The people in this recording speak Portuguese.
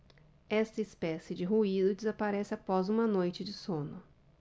esta espécie de ruído desaparece após uma noite de sono